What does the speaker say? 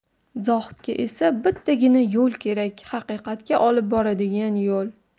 zohidga esa bittagina yo'l kerak haqiqatga olib boradigan yo'l